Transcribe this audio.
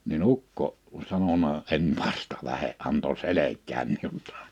niin ukko sanonut en vasta lähde antoi selkään minullakin